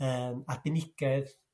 yrm arbenigedd